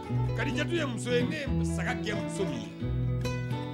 Kadijatu ye muso ye ne saga gɛn muso min ye.